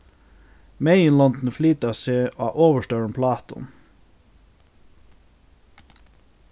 meginlondini flyta seg á ovurstórum plátum